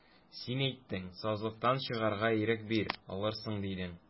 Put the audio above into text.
Син әйттең, сазлыктан чыгарга ирек бир, алырсың, дидең.